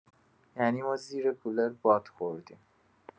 یعنی ما زیر کولر باد خوردیم.